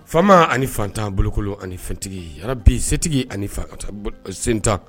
Faamama ani fatan bolokokolo ani fɛntigi yɛrɛ bi setigi ani fa sen tan